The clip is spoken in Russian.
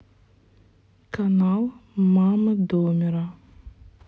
канал мамы домера